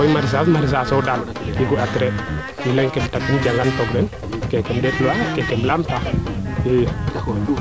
koy maraichage maraichage o rek leŋ ke jelan took fee keke im ndet luwa keeke im laamta i